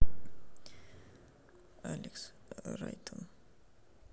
алекс райтон